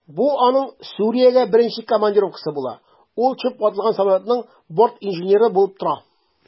Бу аның Сүриягә беренче командировкасы була, ул төшеп ватылган самолетның бортинженеры булып тора.